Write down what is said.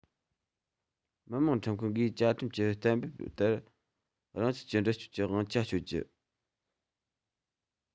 མི དམངས ཁྲིམས ཁང གིས བཅའ ཁྲིམས ཀྱི གཏན འབེབས ལྟར རང ཚུགས ཀྱིས འདྲི གཅོད ཀྱི དབང ཆ སྤྱོད རྒྱུ